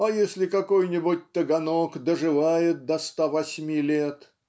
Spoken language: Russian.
А если какой-нибудь Таганок доживает до ста восьми лет